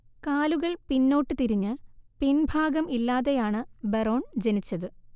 കാലുകൾ പിന്നോട്ട് തിരിഞ്ഞ് പിൻഭാഗം ഇല്ലാതെയാണ്ബറോൺ ജനിച്ചത്